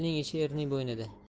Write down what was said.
elning ishi erning bo'ynida